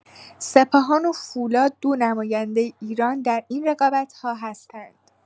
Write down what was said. سپاهان و فولاد دو نماینده ایران در این رقابت‌ها هستند.